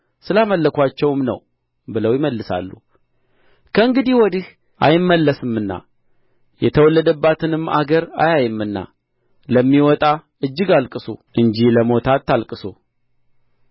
ስላመለኩአቸውም ነዋ ብለው ይመልሳሉ ከእንግዲህ ወዲህ አይመለስምና የተወለደባትንም አገር አያይምና ለሚወጣ እጅግ አልቅሱ እንጂ ለሞተ አታልቅሱ